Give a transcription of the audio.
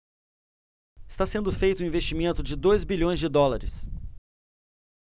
está sendo feito um investimento de dois bilhões de dólares